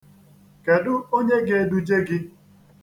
Kedụ onye ga-eduje gi?